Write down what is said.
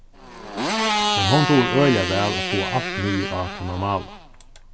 men hon dugir øgiliga væl at fáa alt niður á tað normala